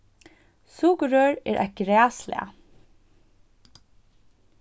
sukurrør er eitt grasslag